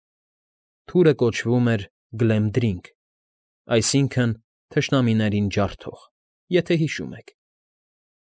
Թուրը կոչվում էր Գլեմդրինգ, այսինքն՝ Թշնամիներին Ջարդող, եթե հիշում եք։